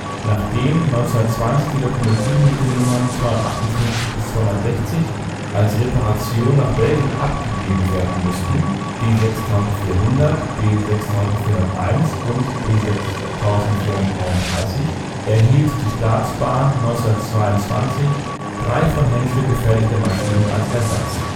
Nachdem 1920 die Lokomotiven mit den Nummern 258 bis 260 als Reparation an Belgien abgegeben werden mussten (B 6400, B 6401, B 6431) erhielt die Staatsbahn 1922 drei von Henschel gefertigte Maschinen als Ersatz